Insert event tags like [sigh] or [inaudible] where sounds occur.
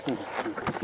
[hesitation] [hesitation]